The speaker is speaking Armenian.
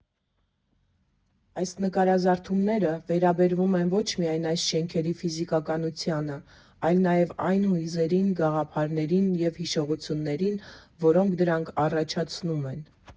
Այս նկարազարդումները վերաբերում են ոչ միայն այս շենքերի ֆիզիկականությանը, այլ նաև այն հույզերին, գաղափարներին և հիշողություններին, որոնք դրանք առաջացնում են։